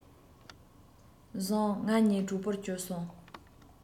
བཟུང ང གཉིས གྲོགས པོར གྱུར སོང